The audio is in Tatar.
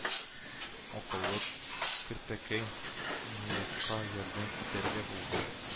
Акыллы Керпекәй Нуякка ярдәм итәргә булган